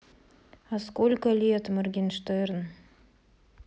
а сколько лет моргенштерн